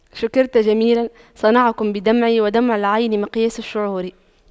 شكرت جميل صنعكم بدمعي ودمع العين مقياس الشعور